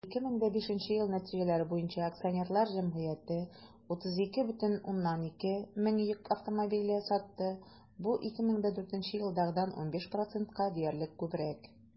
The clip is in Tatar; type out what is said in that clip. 2005 ел нәтиҗәләре буенча акционерлар җәмгыяте 32,2 мең йөк автомобиле сатты, бу 2004 елдагыдан 15 %-ка диярлек күбрәк.